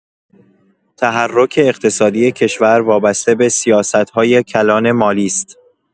تحرک اقتصادی کشور وابسته به سیاست‌های کلان مالی است.